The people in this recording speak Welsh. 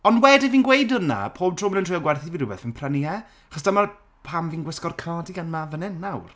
ond wedyn fi'n gweud hwnna pob tro maen nhw'n trio gwerthu fi rhywbeth fi'n prynu e achos dyma pam fi'n gwisgo'r cardigan 'ma fan hyn nawr.